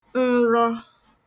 nrọ